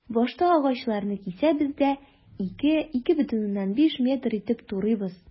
Башта агачларны кисәбез дә, 2-2,5 метр итеп турыйбыз.